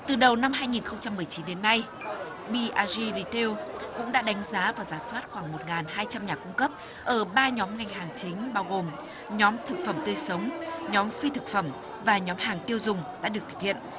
từ đầu năm hai nghìn không trăm mười chín đến nay bi a di đì thêu cũng đã đánh giá và rà soát khoảng một nghìn hai trăm nhà cung cấp ở ba nhóm ngành hàng chính bao gồm nhóm thực phẩm tươi sống nhóm phi thực phẩm và nhóm hàng tiêu dùng đã được thực hiện